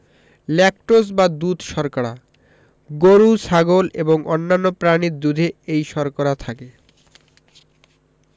lactose বা দুধ শর্করা গরু ছাগল এবং অন্যান্য প্রাণীর দুধে এই শর্করা থাকে